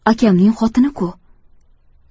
akamning xotini ku